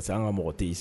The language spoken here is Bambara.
Sisan an ka mɔgɔ te yen